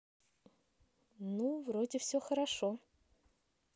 ну вроде все хорошо